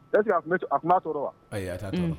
Est ce que a tun bɛ a tun ma tɔɔrɔ wa? Ayi a t'a tɔɔrɔ, un.